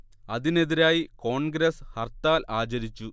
അതിനെതിരായി കോൺഗ്രസ് ഹർത്താൽ ആചരിച്ചു